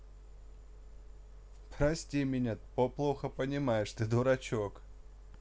прости ты меня плохо понимаешь ты дурачок